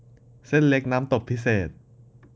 เส้นเล็กน้ำตกพิเศษ